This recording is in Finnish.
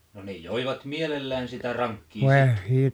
no ne joivat mielellään sitä rankkia sitten